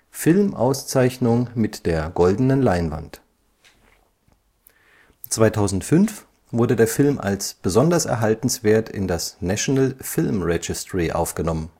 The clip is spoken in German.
Film-Auszeichnung mit der Goldene Leinwand 2005 wurde der Film als besonders erhaltenswert in das National Film Registry aufgenommen